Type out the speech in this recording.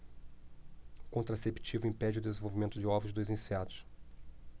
o contraceptivo impede o desenvolvimento de ovos dos insetos